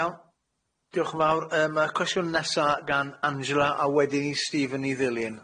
Iawn. Diolch yn fawr yym y cwestiwn nesa gan Angela a wedyn i Stephen i ddilyn.